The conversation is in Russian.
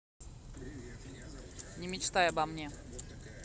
не мечтай обо мне